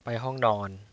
ไปห้องนอน